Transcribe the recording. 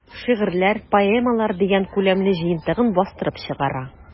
"шигырьләр, поэмалар” дигән күләмле җыентыгын бастырып чыгара.